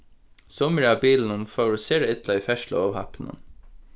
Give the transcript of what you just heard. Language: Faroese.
summir av bilunum fóru sera illa í ferðsluóhappinum